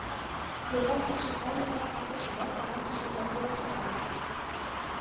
Елга Пукшеньга елгасына кушылып, аның кушылдыгы булып тора